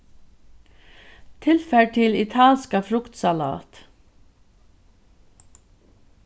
tilfar til italska fruktsalat